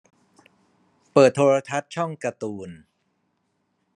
เปิดโทรทัศน์ช่องการ์ตูน